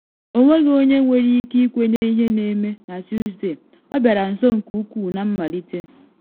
Ọnweghị onye nwere ike ịkwenye ihe na eme na Tusde, ọ bịara nso nke ukwu na mmalite.